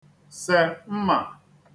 sè mmà